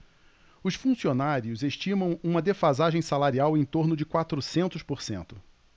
os funcionários estimam uma defasagem salarial em torno de quatrocentos por cento